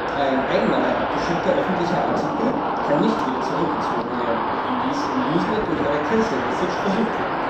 Ein einmal abgeschickter öffentliche Artikel kann nicht wieder zurückgezogen werden (wie dies im Usenet durch eine " cancel-message " versucht werden